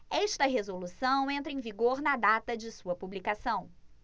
esta resolução entra em vigor na data de sua publicação